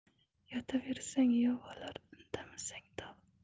yotaversang yov olar indamasang dov